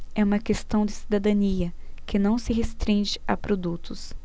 é uma questão de cidadania que não se restringe a produtos